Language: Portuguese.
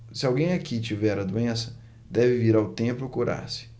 se alguém aqui tiver a doença deve vir ao templo curar-se